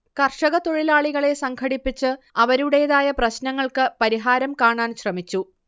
കർഷകതൊഴിലാളികളെ സംഘടിപ്പിച്ചു അവരുടേതായ പ്രശ്നങ്ങൾക്ക് പരിഹാരം കാണാൻ ശ്രമിച്ചു